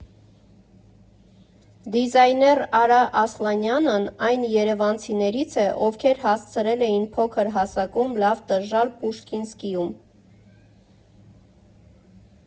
Դիզայներ Արա Ասլանյանն այն երևանցիներից է, ովքեր հասցրել էին փոքր հասակում լավ տժժալ «Պուշկինսկիում»։